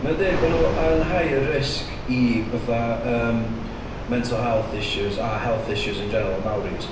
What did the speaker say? Mae'n deud bod nhw yn higher risk i fatha yym mental health issues a health issues in general y Māoris.